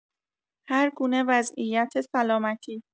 هرگونه وضعیت سلامتی